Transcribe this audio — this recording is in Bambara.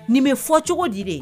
Nin bɛ fɔ cogo di de